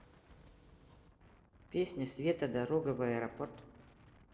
песня света дорога в аэропорт